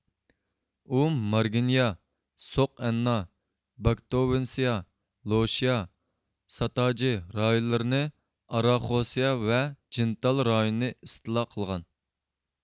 ئۇ مارگنيا سوق ئەننا باكتوۋنسىيا لوشيا ساتاجى رايونلىرىنى ئاراخوسيە ۋە جىنتال رايونىنى ئىستىلا قىلغان